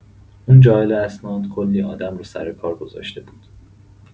اون جاعل اسناد کلی آدم رو سر کار گذاشته بود.